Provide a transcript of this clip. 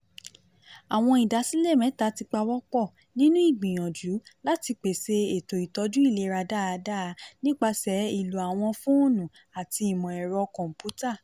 Àwọn ìdásílẹ̀ mẹ́ta ti pawọ́ pọ̀ nínú ìgbìyànjú láti pèsè ètò ìtọ́jú ìlera dáadáa nípasẹ̀ ìlò àwọn fóònù àti ìmọ̀-ẹ̀rọ kọ̀m̀pútà.